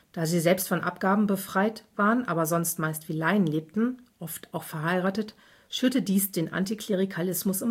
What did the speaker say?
Da sie selbst von Abgaben befreit waren, sonst aber meist wie Laien lebten, oft auch verheiratet, schürte dies den Antiklerikalismus